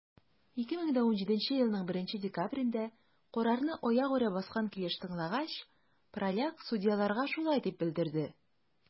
2017 елның 1 декабрендә, карарны аягүрә баскан килеш тыңлагач, праляк судьяларга шулай дип белдерде: